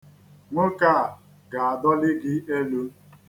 Nwoke a ga-adoli gi elu.